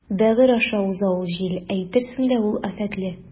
Бәгырь аша уза ул җил, әйтерсең лә ул афәтле.